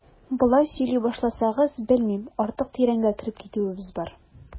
Болай сөйли башласагыз, белмим, артык тирәнгә кереп китүебез бар.